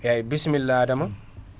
eyyi bissimila Adama